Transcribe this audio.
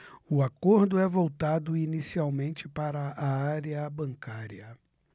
o acordo é voltado inicialmente para a área bancária